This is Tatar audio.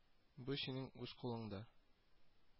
Бу синең үз кулыңда